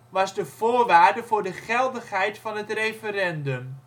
was de voorwaarde voor de geldigheid van het referendum